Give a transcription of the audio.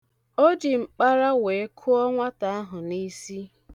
O ji mkpara wee kụọ nwata ahụ n'isi.